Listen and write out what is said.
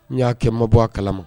I y'a kɛ n ma bɔ a kala ma.